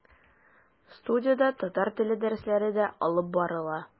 Студиядә татар теле дәресләре дә алып барыла.